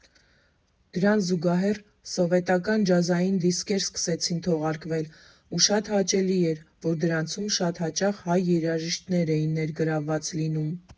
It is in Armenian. Դրան զուգահեռ սովետական ջազային դիսկեր սկսեցին թողարկվել, ու շատ հաճելի էր, որ դրանցում շատ հաճախ հայ երաժիշտներ էին ներգրավված լինում։